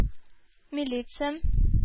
Милиция